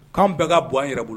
K'an bɛɛ ka bɔ anan yɛrɛ bolo